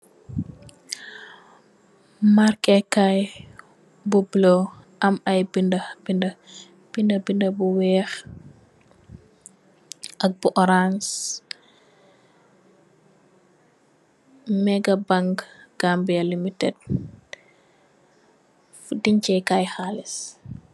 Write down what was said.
Markee kaay bu buloo, am ay bindë bindë bu weex, ak bu orans."Mega Bank Gambia Ltd",fu deñchee kaay xaalis.